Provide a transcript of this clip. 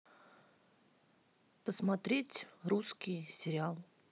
посмотреть русский сериал